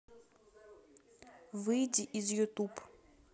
выйди из ютуб